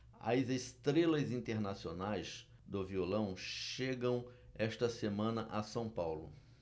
as estrelas internacionais do violão chegam esta semana a são paulo